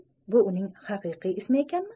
bu uning haqiqiy ismi ekanmi